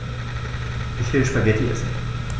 Ich will Spaghetti essen.